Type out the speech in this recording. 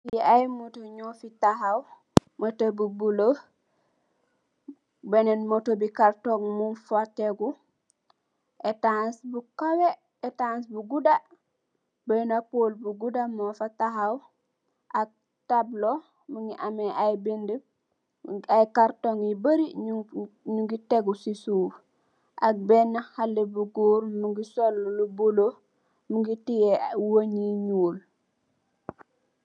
Lii ay moto nyu fi tahaw, moto bu bule, bennen moto bi karton mog fa tegu, etas bu kawe, etas bu gude, benna pol bu gude mofa tahaw, ak tabla mingi ame ay binde, ay karton yu baari yu ngi tegu si soof, ak benna xale bu goor mingi sol lu bule, mingi teye weej yu nyuul